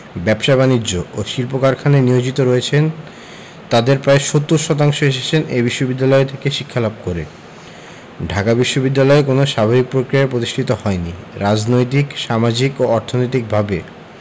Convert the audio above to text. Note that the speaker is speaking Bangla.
ব্যবসা বাণিজ্য ও শিল্প কারখানায় নিয়োজিত রয়েছেন তাঁদের প্রায় ৭০ শতাংশ এসেছেন এ বিশ্ববিদ্যালয় থেকে শিক্ষালাভ করে ঢাকা বিশ্ববিদ্যালয় কোনো স্বাভাবিক প্রক্রিয়ায় পতিষ্ঠিত হয়নি রাজনৈতিক সামাজিক ও অর্থনৈতিকভাবে